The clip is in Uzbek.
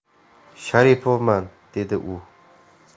sharipovman dedi u